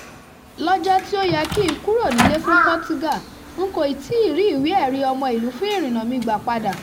Lọ́jọ́ tí ó yẹ kí n kúrò nílé fún Portugal, n kòì tí ì rí ìwé-ẹ̀rí-ọmọìlú-fún-ìrìnnà mi gbà padà...